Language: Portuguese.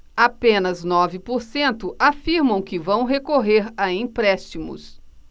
apenas nove por cento afirmam que vão recorrer a empréstimos